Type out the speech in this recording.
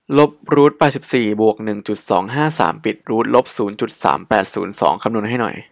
ลบรูทแปดสิบสี่บวกหนึ่งจุดสองห้าสามปิดรูทลบศูนย์จุดสามแปดศูนย์สองคำนวณให้หน่อย